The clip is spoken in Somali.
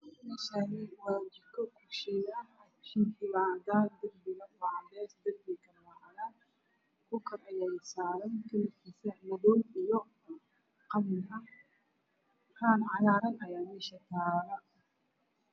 Meeshaani waa jiko darbiga waa cadays darbigana wa cadaan kuukar ayaa saaran kalarkisa madow qalin